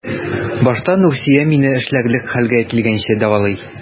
Башта Нурсөя мине эшләрлек хәлгә килгәнче дәвалый.